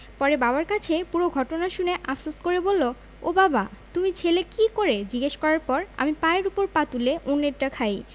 পরে বাবার কাছে পুরো ঘটনা শুনে আফসোস করে বললও বাবা তুমি ছেলে কী করে জিজ্ঞেস করার পর আমি পায়ের ওপর পা তুলে অন্যেরটা খাই